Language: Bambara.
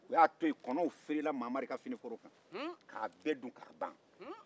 u y'a to yen kɔnɔw firila mamari ka finiforo kan k'a bɛɛ dun ka ban